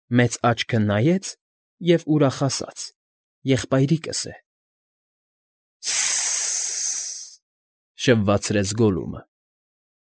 Մեծ աչքը նայեց Եվ ուրախ ասաց. «Եղբայրիկս է»։ ֊ Ս֊ս֊ս,֊ շվվացրեց Գոլլումը։